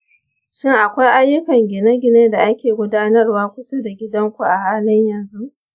shin akwai ayyukan gine-gine da ake gudanarwa kusa da gidanku a halin yanzu?